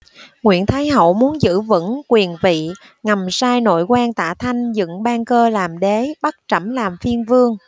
nguyễn thái hậu muốn giữ vững quyền vị ngầm sai nội quan tạ thanh dựng bang cơ làm đế bắt trẫm làm phiên vương